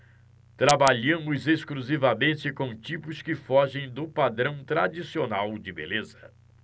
trabalhamos exclusivamente com tipos que fogem do padrão tradicional de beleza